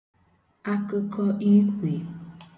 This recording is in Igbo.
akụkọ iwhè